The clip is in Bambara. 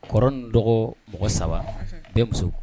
Kɔrɔ nin dɔgɔ mɔgɔ 3